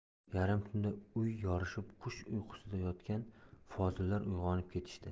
yarim tunda uy yorishib qush uyqusida yotgan fozillar uyg'onib ketishdi